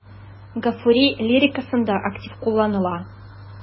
Гафури лирикасында актив кулланыла.